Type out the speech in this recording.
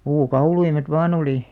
puukauluimet vain oli